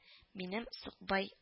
Минем сукбай